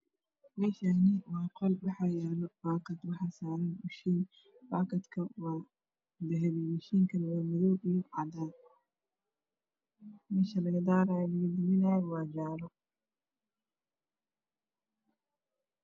Me Shani wa qol waxa yalo baakad wasaran mi shiin nakadlana wada habo mi shiin kana wa madow iyo cadan Me Sha lagadarayo lagademonayo wa jalo